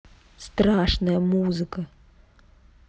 страшная музыка